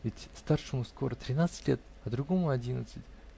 ведь старшему скоро тринадцать лет, а другому одиннадцать.